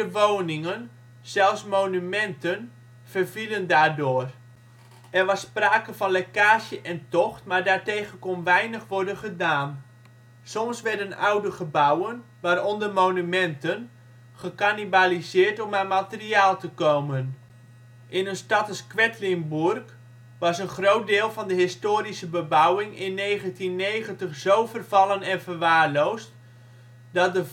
woningen, zelfs monumenten, vervielen daardoor. Er was sprake van lekkage en tocht maar daartegen kon weinig worden gedaan. Soms werden oude gebouwen, waaronder monumenten, gekannibaliseerd om aan materiaal te komen. In een stad als Quedlinburg was een groot deel van de historische bebouwing in 1990 zo vervallen en verwaarloosd dat de